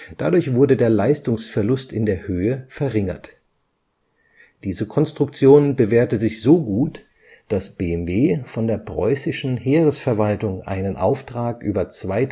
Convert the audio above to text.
Dadurch wurde der Leistungsverlust in der Höhe verringert. Diese Konstruktion bewährte sich so gut, dass BMW von der Preußischen Heeresverwaltung einen Auftrag über 2.000